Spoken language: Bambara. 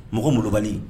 Mɔgɔ malobali